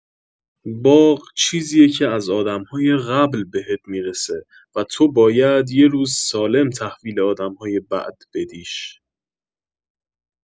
باغ چیزیه که از آدم‌های قبل بهت می‌رسه و تو باید یه روز سالم تحویل آدم‌های بعد بدیش.